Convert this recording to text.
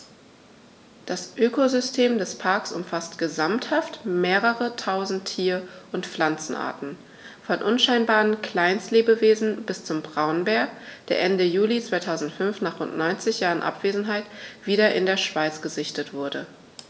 Das Ökosystem des Parks umfasst gesamthaft mehrere tausend Tier- und Pflanzenarten, von unscheinbaren Kleinstlebewesen bis zum Braunbär, der Ende Juli 2005, nach rund 90 Jahren Abwesenheit, wieder in der Schweiz gesichtet wurde.